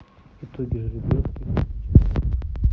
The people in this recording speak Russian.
итоги жеребьевки лиги чемпионов